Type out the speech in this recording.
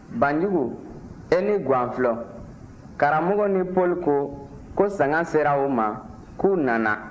banjugu e ni gwanflɔ karamɔgɔ ni paul ko ko sanga sera u ma k'u nana